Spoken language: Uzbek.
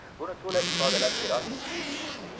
buni to'la ifodalab berolmayman